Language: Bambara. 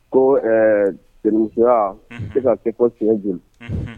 Ko senya se ka se ko sɛju